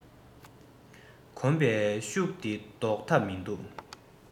གོམས པའི ཤུགས འདི བཟློག ཐབས མིན འདུག